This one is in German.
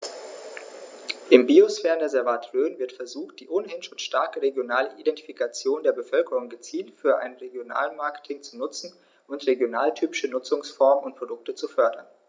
Im Biosphärenreservat Rhön wird versucht, die ohnehin schon starke regionale Identifikation der Bevölkerung gezielt für ein Regionalmarketing zu nutzen und regionaltypische Nutzungsformen und Produkte zu fördern.